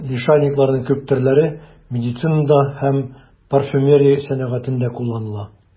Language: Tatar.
Лишайникларның күп төрләре медицинада һәм парфюмерия сәнәгатендә кулланыла.